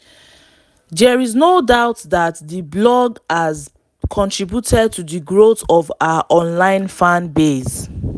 There is no doubt that the blog has contributed the growth of her online fan base.